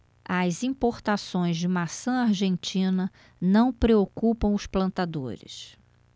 as importações de maçã argentina não preocupam os plantadores